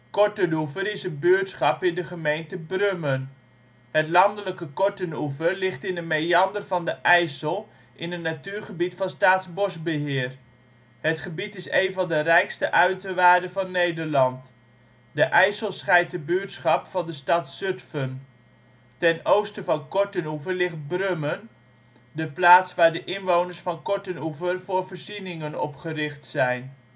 Cortenoever is een buurtschap in de gemeente Brummen. Het landelijke Cortenoever ligt in een meander van de IJssel, in een natuurgebied van Staatsbosbeheer. Het gebied is een van de rijkste uiterwaarden van Nederland. De IJssel scheidt de buurtschap van de stad Zutphen. Ten oosten van Cortenoever ligt Brummen, de plaats waar de inwoners van Cortenoever voor voorzieningen op gericht zijn